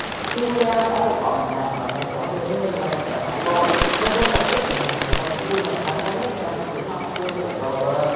khi william đã lột bỏ mặt nạ và nhanh chóng hiện nguyên hình là kẻ phản bội nozel lập tức trở thành trong những gương mặt sáng giá nhất cho vị trí mpv của clover